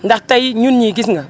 ndax tey ñun ñii gis nga